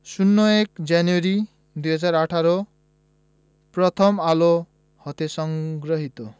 ০১ জানুয়ারি ২০১৮ প্রথম আলো হতে সংগৃহীত